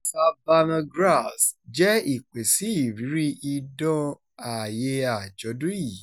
"Savannah Grass" jẹ́ ìpè sí ìrírí idán ayée àjọ̀dún yìí.